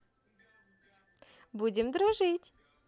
будем дружить